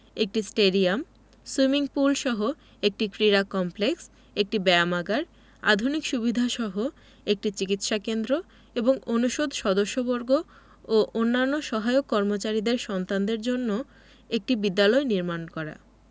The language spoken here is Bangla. একটি স্টেডিয়াম সুইমিং পুলসহ একটি ক্রীড়া কমপ্লেক্স একটি ব্যায়ামাগার আধুনিক সুবিধাসহ একটি চিকিৎসা কেন্দ্র এবং অনুষদ সদস্যবর্গ ও অন্যান্য সহায়ক কর্মচারীদের সন্তানদের জন্য একটি বিদ্যালয় নির্মাণ করা